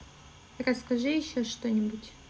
расскажи еще что нибудь